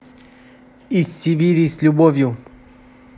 из сибири с любовью